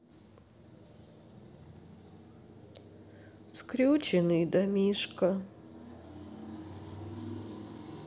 скрюченый домишко